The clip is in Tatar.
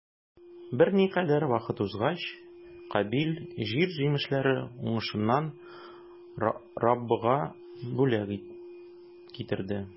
Берникадәр вакыт узгач, Кабил җир җимешләре уңышыннан Раббыга бүләк китерде.